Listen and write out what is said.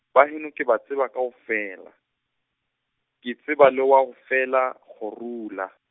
baheno ke ba tseba kaofela, ke tseba le wa ho fela, kgorula.